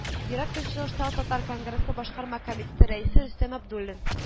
Ерак Көнчыгыштагы татар конгрессы башкарма комитеты рәисе Рөстәм Абдуллин